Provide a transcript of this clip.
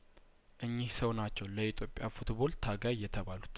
እኚህ ሰው ናቸው ለኢትዮጵያ ፉትቦል ታጋይየተባሉ